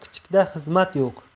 kichikda xizmat yo'q